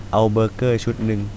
ขอเบอร์เกอร์ชุดหนึ่ง